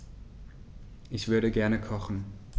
Ich würde gerne kochen.